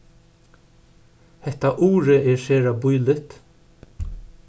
hetta urið er sera bíligt